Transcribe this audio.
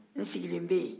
n sigilen bɛ yen